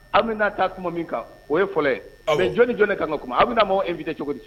An bɛ n'a taa tasuma min kan o ye fɔ jɔnni jɔn de ka kuma aw bɛna na maaw infi tɛ cogodi di